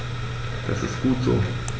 Das ist gut so.